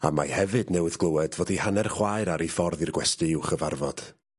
A mae hefyd newydd glywed fod 'i hanner chwaer ar 'i ffordd i'r gwesty i'w chyfarfod.